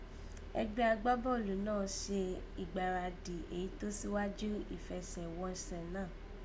Ẹgbẹ́ agbábọ́ọ̀lù náà àán se ìgbaradì èyí tó síwájú ìfẹsẹ̀wansẹ̀ náà